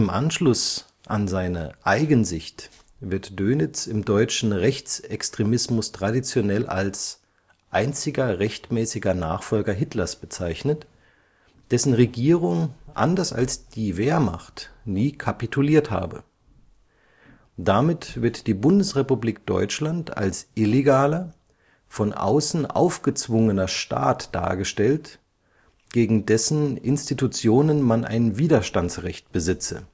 Anschluss an seine Eigensicht wird Dönitz im deutschen Rechtsextremismus traditionell als „ einziger rechtmäßiger Nachfolger Hitlers “bezeichnet, dessen Regierung anders als die Wehrmacht nie kapituliert habe. Damit wird die Bundesrepublik Deutschland als illegaler, von außen aufgezwungener Staat dargestellt, gegen dessen Institutionen man ein Widerstandsrecht besitze